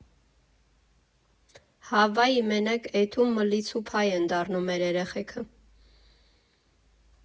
Հավայի մենակ էթում մլիցու փայ են դառնում մեր էրեխեքը։